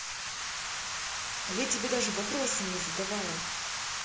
а я тебе даже вопросы не задавала